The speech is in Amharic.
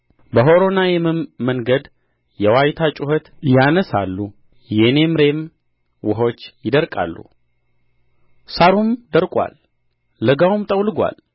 በሖሮናይምም መንገድ የዋይታ ጩኸት ያነሣሉ የኔምሬም ውኆች ይደርቃሉ ሣሩም ደርቋል ለጋውም ጠውልጓል